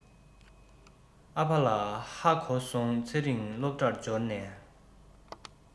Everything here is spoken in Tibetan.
ཨ ཕ ལ ཧ གོ སོང ཚེ རིང སློབ གྲྭར འབྱོར ནས